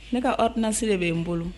Ne ka hatsi de bɛ yen n bolo